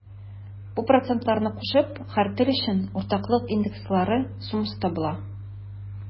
Бу процентларны кушып, һәр тел өчен уртаклык индекслары суммасы табыла.